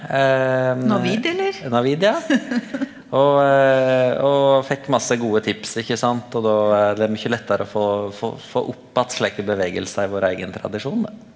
Navid ja og og fekk masse gode tips, ikkje sant, og då er det mykje lettare å få få få opp att slike bevegelsar i vår eigen tradisjon da.